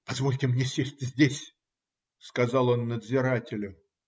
- Позвольте мне сесть здесь, - сказал он надзирателю.